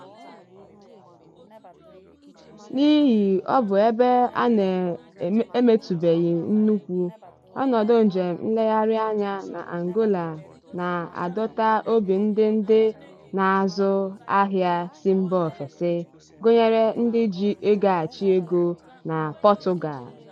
N'ihi ọ bụ ebe a na-emetubeghị nnukwu, ọnọdụ njem nleghari anya na Angola na-adota obi ndị ndị na-azụ ahịa si mba ofesi, gunyere ndị ji ego achị ego na Portugal.